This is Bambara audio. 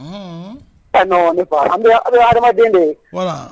Ɔni ha adamadamaden de ye